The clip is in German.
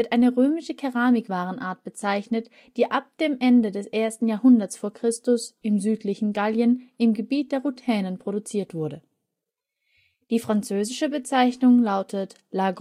eine römische Keramikwarenart bezeichnet, die ab Ende des 1. Jahrhunderts v. Chr. im südlichen Gallien im Gebiet der Rutänen produziert wurde. Die französische Bezeichnung lautet La